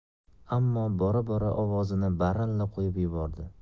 ammo bora bora ovozini baralla qo'yib yubordi